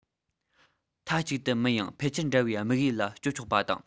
མཐའ གཅིག ཏུ མིན ཡང ཕལ ཆེར འདྲ བའི དམིགས ཡུལ ལ སྤྱོད ཆོག པ དང